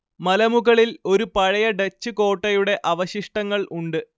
മലമുകളില്‍ ഒരു പഴയ ഡച്ച് കോട്ടയുടെ അവശിഷ്ടങ്ങള്‍ ഉണ്ട്